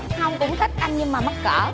hông cũng thích anh nhưng mà mắc cỡ